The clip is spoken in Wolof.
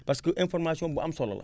parce que information bu am solo la